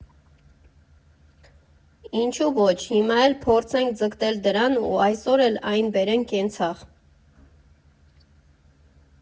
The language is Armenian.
Ինչո՞ւ ոչ, հիմա էլ փորձենք ձգտել դրան ու այսօր էլ այն բերենք կենցաղ։